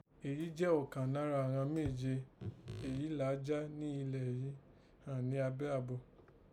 Èyí jẹ́ ọ̀kàn nara àghan méje èyí là á já ní ilẹ̀ èyí ha ni abẹ́ àbò